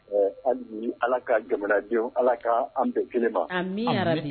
An ala ka jamanadenw ala ka an bɛɛ kelen ma